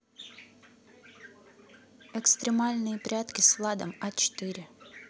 экстремальные прятки с владом а четыре